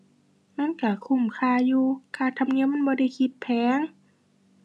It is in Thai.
มันก็คุ้มค่าอยู่ ค่าธรรมเนียมมันบ่ได้คิดแพง ⁠